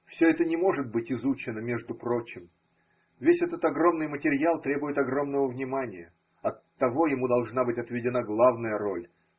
Все это не может быть изучено между прочим: весь этот огромный материал требует огромного внимания: оттого ему должна быть отведена главная роль.